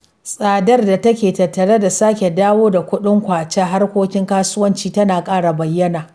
Tsadar da take tattare da sake dawo da kuɗin Kwacha harkokin kasuwanci tana ƙara bayyana.